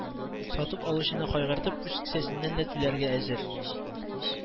Сатып алучыны кайгыртып, үз кесәсеннән дә түләргә әзер